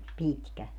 pitkä